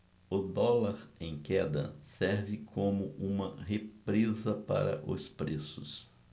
o dólar em queda serve como uma represa para os preços